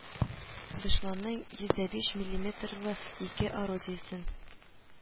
Дошманның йөз дә биш миллиметрлы ике орудиесен